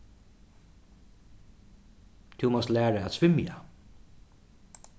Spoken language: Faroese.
tú mást læra at svimja